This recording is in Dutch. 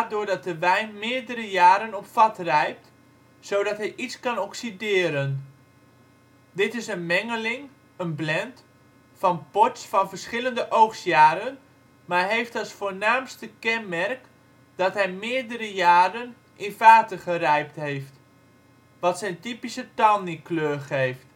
doordat de wijn meerdere jaren op vat rijpt, zodat hij iets kan oxideren. Dit is een mengeling (= een blend) van port (o ') s van verschillende oogstjaren, maar heeft als voornaamste kenmerk dat hij meerdere jaren in vaten gerijpt heeft, wat zijn typische tawny kleur geeft